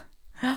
Ja.